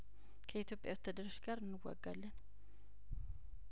ከኢትዮጵያ ወታደሮች ጋር እንዋጋለን